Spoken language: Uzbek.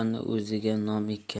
o'ziga nom ekkani